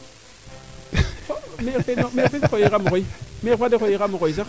maire fe sax xooyirama xooy maire faa de xoyiramo xooy sax